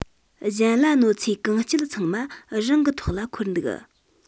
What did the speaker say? གཞན ལ གནོད འཚེ གང བསྐྱལ ཚང མ རང གི ཐོག ལ འཁོར འདུག